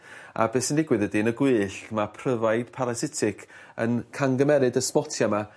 A beth sy'n digwydd ydi yn y gwyllt ma' pryfaid parasitic yn cangymerid y smotia 'ma